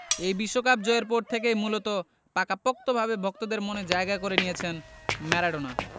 এই বিশ্বকাপ জয়ের পর থেকেই মূলত পাকাপোক্তভাবে ভক্তদের মনে জায়গা করে নিয়েছেন ম্যারাডোনা